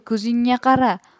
ko'zingga qara